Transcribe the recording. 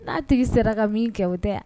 N'a tigi sera ka min kɛ tɛ